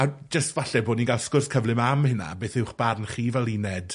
A jyst falle bod ni'n ga'l sgwrs cyflym am hynna, beth yw'ch barn chi fel uned?